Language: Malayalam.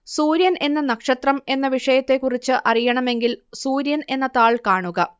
സൂര്യൻ എന്ന നക്ഷത്രം എന്ന വിഷയത്തെക്കുറിച്ച് അറിയണമെങ്കിൽ സൂര്യൻ എന്ന താൾ കാണുക